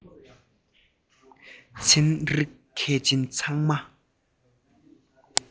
ཚན རིག མཁས ཅན ཚང མ